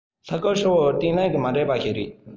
ས ཁུལ ཧྲིལ པོའི བརྟན ལྷིང ནི མ འགྲིག པ ཞིག རེད